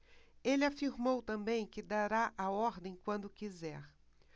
ele afirmou também que dará a ordem quando quiser